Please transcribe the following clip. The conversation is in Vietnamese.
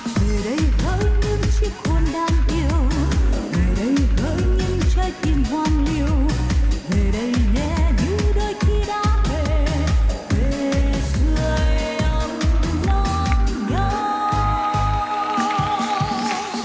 về đây hỡi những chiếc hôn đang yêu về đây hỡi những trái tim hoang liêu về đây nhé như đôi khi đã về về sưởi ấm lòng nhau